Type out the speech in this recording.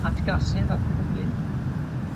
atgasedd at betha fel 'yn?